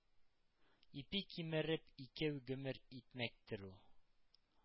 Ипи кимереп икәү гомер итмәктер ул.